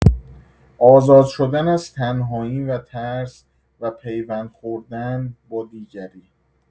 آزاد شدن از تنهایی و ترس و پیوند خوردن با دیگری.